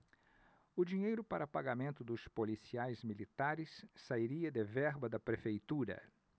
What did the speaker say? o dinheiro para pagamento dos policiais militares sairia de verba da prefeitura